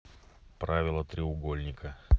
правила треугольника